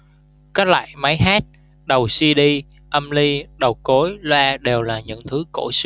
các loại máy hát đầu cd âm ly đầu cối loa đều là những thứ cổ xưa